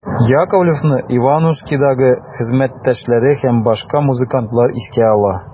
Яковлевны «Иванушки»дагы хезмәттәшләре һәм башка музыкантлар искә ала.